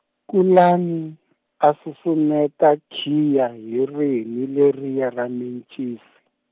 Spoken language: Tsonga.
kulani a susumeta khiya hi rinhi leriya ra mencisi.